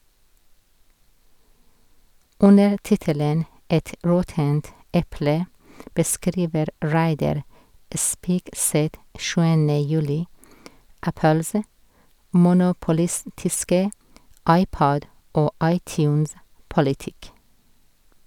Under tittelen «Et råttent eple» beskriver Reidar Spigseth 7. juli Apples monopolistiske iPod- og iTunes-politikk.